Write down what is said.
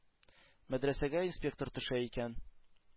Мәдрәсәгә инспектор төшә икән,